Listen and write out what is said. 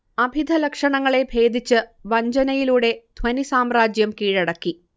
അഭിധ ലക്ഷണങ്ങളെ ഭേദിച്ച് വഞ്ജനയിലൂടെ ധ്വനിസാമ്രാജ്യം കീഴടക്കി